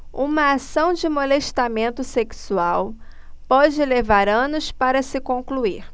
uma ação de molestamento sexual pode levar anos para se concluir